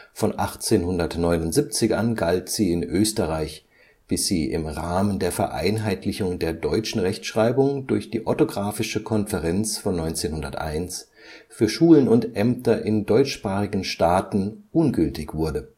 Von 1879 an galt sie in Österreich, bis sie im Rahmen der Vereinheitlichung der deutschen Rechtschreibung durch die Orthographische Konferenz von 1901 für Schulen und Ämter in deutschsprachigen Staaten ungültig wurde